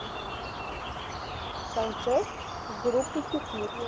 концерт группы пикник